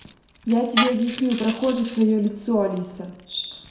я тебе обяснил прохожий свое лицо алиса